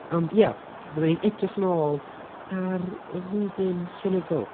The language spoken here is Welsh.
Ond ia, fyddwn ni'n edrych nôl ar y flwyddyn llenyddol.